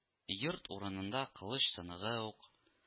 Йорт урынында кылыч сыныгы ук